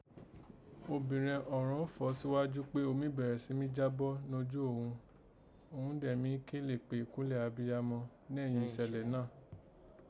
Obìnrẹn ọ̀ghọ́n fọ̀ọ́ síghájú kpe omi bẹ̀rẹ̀ si mi jábọ́ nojú òghun, òghun dẹ̀ mi kélè kpé ìkúnlẹ̀ abiyama nẹ̀yìn ìsẹ̀lẹ̀ náà